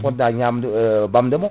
ɗi poɗɗa ñamde e ɓamdemo